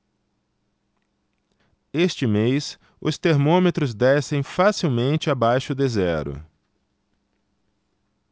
este mês os termômetros descem facilmente abaixo de zero